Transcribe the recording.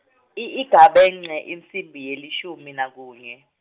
i- igabence insimbi yelishumi nakunye.